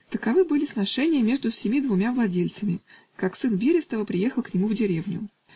Таковы были сношения между сими двумя владельцами, как сын Берестова приехал к нему в деревню.